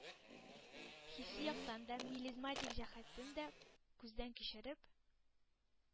Хисси яктан да, мелизматик җәһәттән дә күздән кичереп,